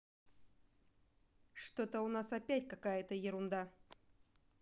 что то у нас опять какая то ерунда